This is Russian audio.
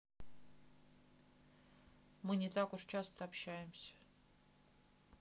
мы не так уж часто общаемся